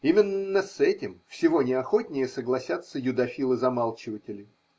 Именно с этим всего неохотнее согласятся юдофилы-замалчиватели.